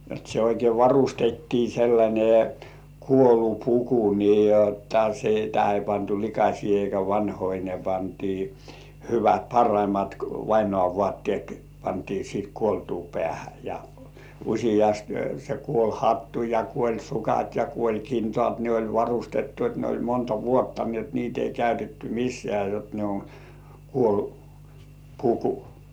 jotta se oikein varustettiin sellainen kuolinpuku niin jotta sitä ei pantu likaisia eikä vanhoja ne pantiin hyvät parhaimmat vainajan vaatteet pantiin sitten kuoltua päähän ja useasti se kuolinhattu ja kuolinsukat ja kuolinkintaat ne oli varustettu että ne oli monta vuotta niin että niitä ei käytetty missään jotta ne on - kuolinpuku